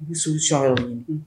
I bɛ solution wɛrɛw ɲini, unhun